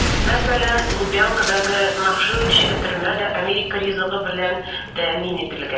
Мәсәлән, Лубянкадагы мәшһүр эчке төрмә дә америка ризыгы белән тәэмин ителгән.